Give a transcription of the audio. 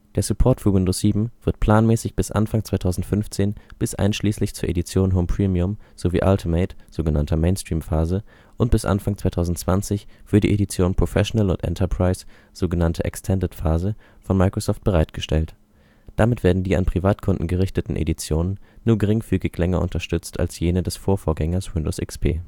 Der Support für Windows 7 wird planmäßig bis Anfang 2015 bis einschließlich zur Edition Home Premium sowie Ultimate (sog. Mainstream-Phase) und bis Anfang 2020 für die Editionen Professional und Enterprise (sog. Extended-Phase) von Microsoft bereitgestellt. Damit werden die an Privatkunden gerichteten Editionen nur geringfügig länger unterstützt als jene des Vorvorgängers Windows XP